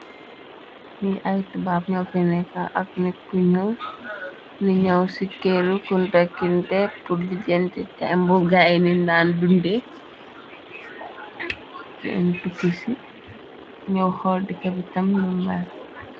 Ni ay tubaab ñow feneka ak nikuñu ni ñow ci kërru kundakkintepu lijenti tembu gaaye nit ndaan dunde din tukkisi ño xool dika bitam nu mal.